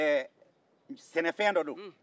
ee sɛnɛfɛn dɔ don